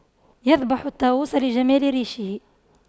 يذبح الطاووس لجمال ريشه